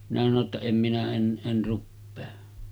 minä sanoi jotta en minä en en rupea